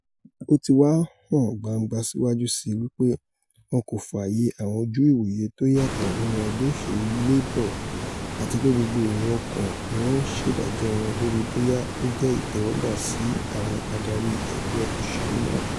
Ó ti wá ńhàn gbangba síwájú síi wí pé wọn kò fààyè àwọn ojú ìwòye tó yàtọ̀ nínú ẹgbẹ́ òṣèlú Labour àtipé gbogbo èrò ọkàn ni wọn ńṣédájọ́ wọn lórí bóyá ó jẹ́ ìtẹ́wọ́gbá sí àwọn adarí ẹgbẹ́ òṣèlú náà.